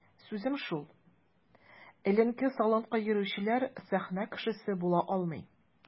Сүзем шул: эленке-салынкы йөрүчеләр сәхнә кешесе була алмый.